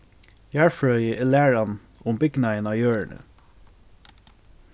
jarðfrøði er læran um bygnaðin á jørðini